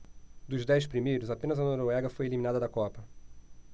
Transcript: dos dez primeiros apenas a noruega foi eliminada da copa